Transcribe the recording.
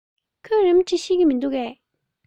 ཁོས རི མོ འབྲི ཤེས ཀྱི མིན འདུག གས